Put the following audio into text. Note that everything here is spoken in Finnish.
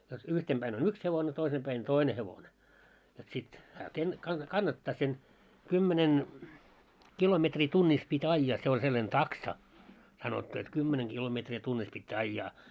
jotta yhtenä päin on yksi hevonen toisin päin toinen hevonen jotta sitten hän -- kannattaa sen kymmenen kilometriä tunnissa piti ajaa se oli sellainen taksa sanottu että kymmenen kilometriä tunnissa pitää ajaa